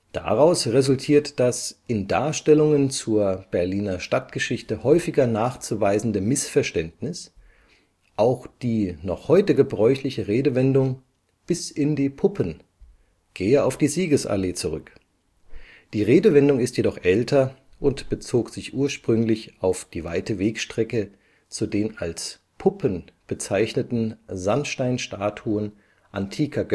Daraus resultiert das in Darstellungen zur Berliner Stadtgeschichte häufiger nachzuweisende Missverständnis, auch die noch heute gebräuchliche Redewendung „ bis in die Puppen “gehe auf die Siegesallee zurück. Die Redewendung ist jedoch älter und bezog sich ursprünglich auf die weite Wegstrecke zu den als ‚ Puppen ‘bezeichneten Sandsteinstatuen antiker